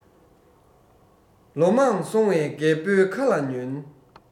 ལོ མང སོང བའི རྒད པོའི ཁ ལ ཉོན